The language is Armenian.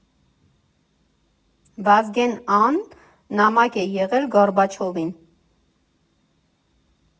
Վազգեն Ա֊֊ն նամակ է հղել Գորբաչովին։